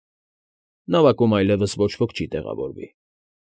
Նավակում այլևս ոչ ոք չի տեղավորվի։